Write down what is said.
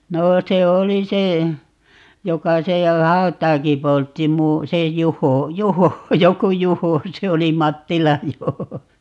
no se oli se joka siellä hautaakin poltti - se Juho Juho joku Juho se oli Mattilan Juho